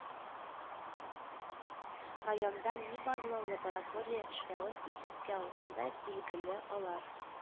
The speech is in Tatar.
Районда нибары лаборатория эшләвен исәпкә алганда, билгеле, алар